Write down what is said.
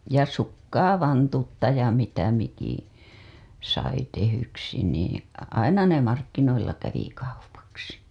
ja sukkaa vantutta ja mitä mikin sai tehdyksi niin aina ne markkinoilla kävi kaupaksi